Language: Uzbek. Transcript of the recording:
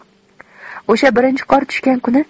o'sha birinchi qor tushgan kuni